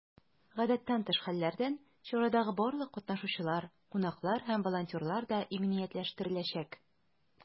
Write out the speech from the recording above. Гадәттән тыш хәлләрдән чарадагы барлык катнашучылар, кунаклар һәм волонтерлар да иминиятләштереләчәк.